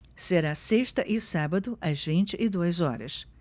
será sexta e sábado às vinte e duas horas